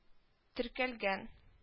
Теркәлгән